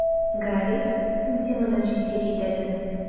Гарри: Син темадан читкә китәсең.